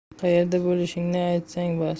qaerda bo'lishingni aytsang bas